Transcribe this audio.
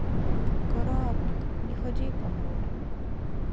кораблик не ходи по морю